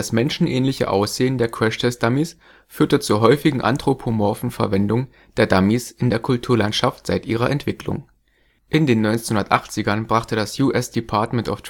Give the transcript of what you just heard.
menschenähnliche Aussehen der Crashtest-Dummies führte zur häufigen anthropomorphen Verwendung der Dummies in der Kulturlandschaft seit ihrer Entwicklung. In den 1980ern brachte das US Department of Transportation